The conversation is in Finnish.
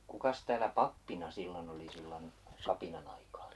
kukas täällä pappina silloin oli silloin kapinan aikaan